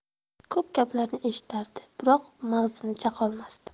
ko'p gaplarni eshitardi biroq mag'zini chaqolmasdi